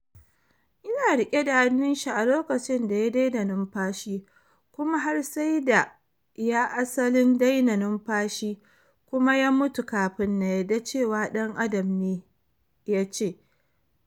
“Ina rike da hannun shi a lokacin da ya daina nunfashi kuma har sai da ya asalin daina numfashi kuma ya mutu kafin na yarda cewa dan Adam ne,” ya ce.